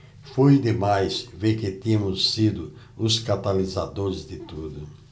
foi demais ver que tínhamos sido os catalisadores de tudo